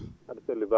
a?a selli Ba